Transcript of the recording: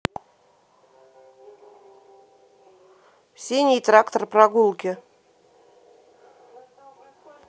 синий трактор прогулки